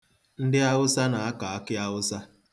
Ndị Awụsa na-akọ akịawụsa.